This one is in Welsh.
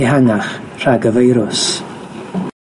ehangach rhag y feirws.